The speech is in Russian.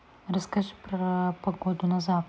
расскажи про погоду на завтра